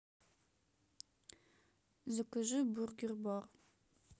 закажи бургер бар